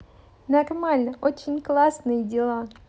нормально очень классные дела